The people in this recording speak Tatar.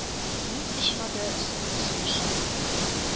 Ник очмады соңгы сулышым,